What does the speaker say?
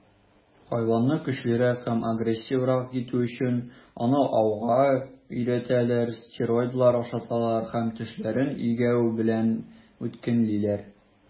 Хайванны көчлерәк һәм агрессиврак итү өчен, аны ауга өйрәтәләр, стероидлар ашаталар һәм тешләрен игәү белән үткенлиләр.